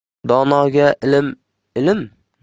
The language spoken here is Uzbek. donoga ilm ilm